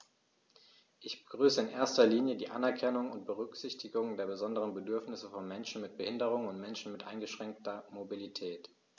Ich begrüße in erster Linie die Anerkennung und Berücksichtigung der besonderen Bedürfnisse von Menschen mit Behinderung und Menschen mit eingeschränkter Mobilität.